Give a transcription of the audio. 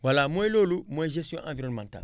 voilà mooy loolu mooy gestion environnementale